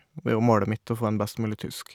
Og det er jo målet mitt å få en best mulig tysk.